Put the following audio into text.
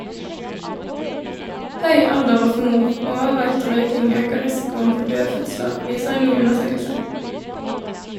Høy alder hos mor, overvekt og røyking øker risikoen for dødfødsler, viser en ny undersøkelse.